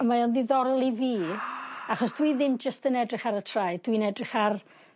...a mae o'n ddiddorol i fi... ...achos dwi ddim jyst yn edrych ar y traed dwi'n edrych ar